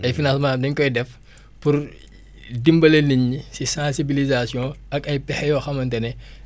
ay finacements dañ koy def pour dimbale nit ñi si sensibilisation ak ay pexe yoo xamante ne